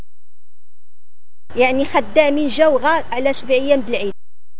يعني خدامي جوهر الاسبوعيه